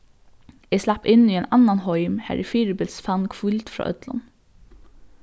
eg slapp inn í ein annan heim har eg fyribils fann hvíld frá øllum